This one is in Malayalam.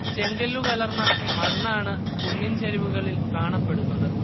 ചെങ്കല്ലു കലർന്ന മണ്ണാണ് കുന്നിൻ ചെരുവുകളിൽ കാണപ്പെടുന്നത്